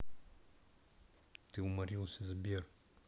ты уморился сбер